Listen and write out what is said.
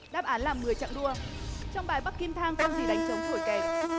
đáp án là mười chặng đua trong bài bắc kim thang con gì đánh trống thổi kèn